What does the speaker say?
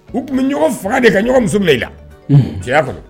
U tun bɛ ɲɔgɔn faga de kaɲɔgɔn muso minɛ i la, unhun, cɛya kɔni